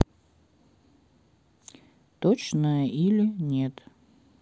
точное или нет